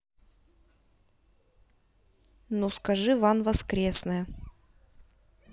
ну скажи ван воскресне